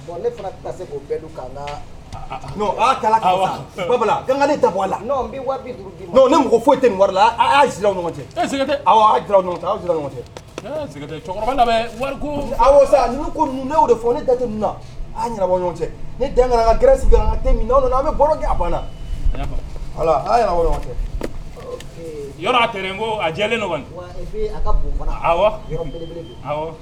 Ne da ne foyi tɛ la cɛ ɲɔgɔn ko de fɔ ne dat ninnu ɲɔgɔn cɛ ka g bɛ baro kɛ a ban ko